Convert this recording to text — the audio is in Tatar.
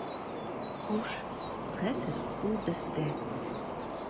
Хуш, хәзер ул бездә.